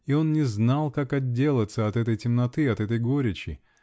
и он не знал, как отделаться от этой темноты, от этой горечи.